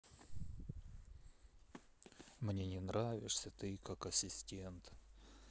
мне не нравишься ты как ассистент